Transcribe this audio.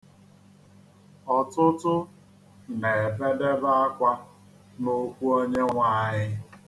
Ọtụtụ na-ebedewe akwa n'ụkwụ Onyenweanyị.